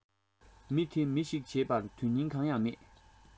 མི འདི མི ཞིག བྱེད པར དོན རྙིང གང ཡང མེད